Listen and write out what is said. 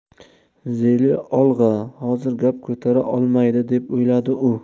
zeli og'a hozir gap ko'tara olmaydi deb o'yladi u